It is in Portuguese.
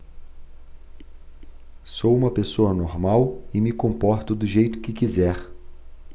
sou homossexual e me comporto do jeito que quiser